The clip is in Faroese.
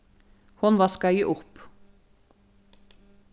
hon vaskaði upp